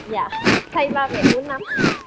dạ thay ba mẹ uốn nắn